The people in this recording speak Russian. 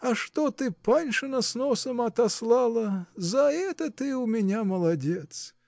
А что ты Паншина с носом отослала, за это ты у меня молодец